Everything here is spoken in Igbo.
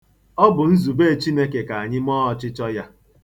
Ọ bụ nzube Chineke ka anyị mee ọchịchọ Ya.